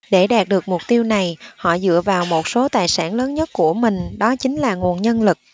để đạt được mục tiêu này họ dựa vào một số tài sản lớn nhất của mình đó chính là nguồn nhân lực